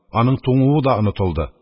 Аның туңуы да онытылды.